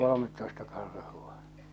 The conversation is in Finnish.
kolmetoista karhua